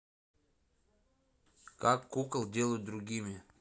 как кукол делают другими